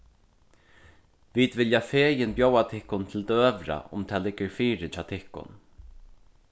vit vilja fegin bjóða tykkum til døgurða um tað liggur fyri hjá tykkum